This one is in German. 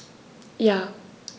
Ja.